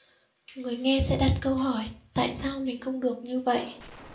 người nghe sẽ đặt câu hỏi tại sao mình không được như vậy